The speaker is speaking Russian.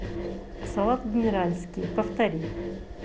салат генеральский повтори